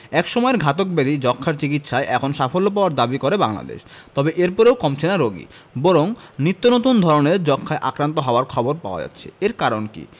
একসময়ের ঘাতক ব্যাধি যক্ষ্মার চিকিৎসায় এখন সাফল্য পাওয়ার দাবি করে বাংলাদেশ তবে এরপরও কমছে না রোগী বরং নিত্যনতুন ধরনের যক্ষ্মায় আক্রান্ত হওয়ার খবর পাওয়া যাচ্ছে এর কারণ কী